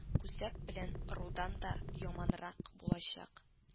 Күсәк белән орудан да яманрак булачак